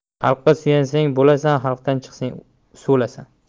xalqqa suyansang bo'lasan xalqdan chiqsang so'lasan